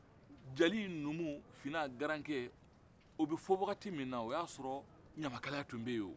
jeli numu fina garanke o bɛ fɔ wagati min o y'a sɔrɔ ɲamakalaya tun bɛ yen